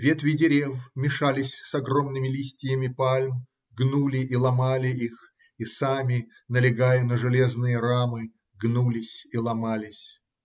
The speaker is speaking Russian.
Ветви дерев мешались с огромными листьями пальм, гнули и ломали их и сами, налегая на железные рамы, гнулись и ломались.